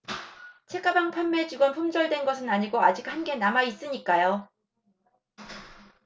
책가방 판매 직원 품절된 것은 아니고 아직 한개 남아있으니까요